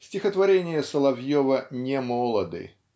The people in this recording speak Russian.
Стихотворения Соловьева не молоды.